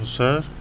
bonsoir